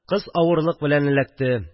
Кыз авырлык белән эләкте